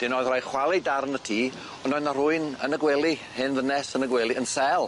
'Dyn oedd rhaid chwalu darn y tŷ on' oedd 'na rywun yn y gwely hen ddynes yn y gwely yn sel.